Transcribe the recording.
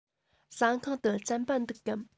ཟ ཁང དུ རྩམ པ འདུག གམ